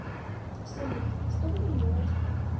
салют что будем делать